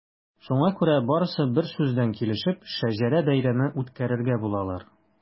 Шуңа күрә барысы берсүздән килешеп “Шәҗәрә бәйрәме” үткәрергә булалар.